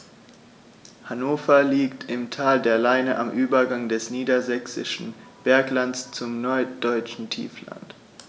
Hannover liegt im Tal der Leine am Übergang des Niedersächsischen Berglands zum Norddeutschen Tiefland.